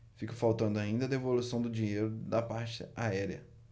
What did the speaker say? ficou faltando ainda a devolução do dinheiro da parte aérea